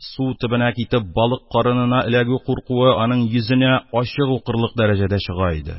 Су төбенә китеп, балык карынына эләгү куркуы аның йөзенә ачык укырлык дәрәҗәдә чыга иде.